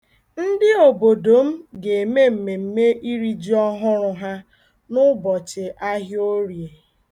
Ndị obodo m ga-eme mmemme iri ji ọhụrụ ha n'ụbọchị ahịa Orie.